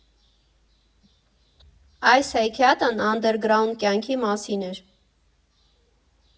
Այս հեքիաթն անդերգրաունդ կյանքի մասին էր։